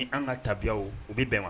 Ni an ka tabi o bɛ bɛn wa